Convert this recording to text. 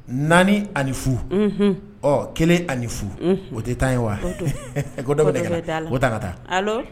4 ani 0,unhun, ɔ 1 ani 0 ,unhun,o tɛ 10 ye wa? O Don, ,ko dɔ bɛ nɛgɛ la, ko dɔ bɛ da la, o ta an ka taa. Allo